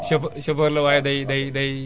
chauffeur la waaye day day day